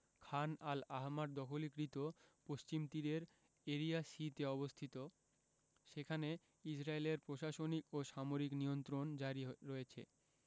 খান al Ahmar দখলীকৃত পশ্চিম তীরের এরিয়া সি তে অবস্থিত সেখানে ইসরাইলের প্রশাসনিক ও সামরিক নিয়ন্ত্রণ জারি রয়েছে